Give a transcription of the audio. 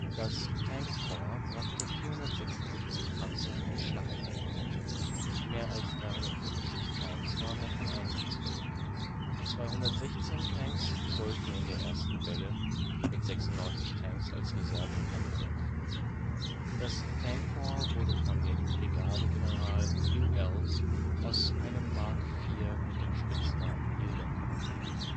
Das Tank Corps brachte 476 Panzer für die Schlacht auf. Mehr als 350 Tanks waren davon einsatzfähig. 216 Tanks sollten in der ersten Welle, mit 96 Tanks als Reserve, angreifen. Das Tank Corps wurde von dem Brigadegeneral Hugh Elles aus einem Mark IV mit dem Spitznamen Hilda kommandiert